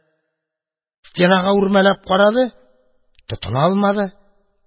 Стенага үрмәләп карады — тотына алмады.